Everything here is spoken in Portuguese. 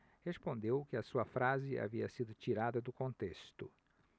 respondeu que a sua frase havia sido tirada do contexto